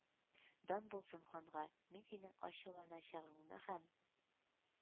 — дан булсын ханга, мин синең ачуланачагыңны һәм